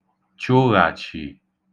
chụghàchì